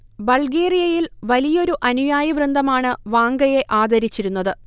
ബൾഗേറിയയിൽ വലിയൊരു അനുയായി വൃന്ദമാണ് വാംഗയെ ആദരിച്ചിരുന്നത്